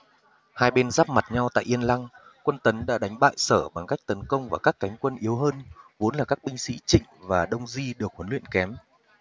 hai bên giáp mặt nhau tại yên lăng quân tấn đã đánh bại sở bằng cách tấn công vào các cánh quân yếu hơn vốn là các binh sĩ trịnh và đông di được huấn luyện kém